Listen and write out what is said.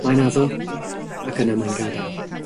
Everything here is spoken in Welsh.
Mae'n addo, ac yna mae'n gadael.